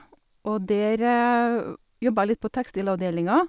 Og der jobba jeg litt på tekstilavdelinga.